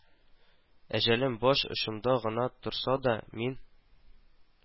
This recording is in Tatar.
Әҗәлем баш очымда гына торса да, мин